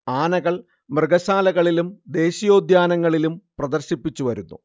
ആനകൾ മൃഗശാലകളിലും ദേശീയോദ്യാനങ്ങളിലും പ്രദർശിപ്പിച്ചുവരുന്നു